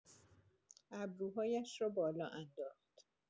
ابروهایش را بالا انداخت.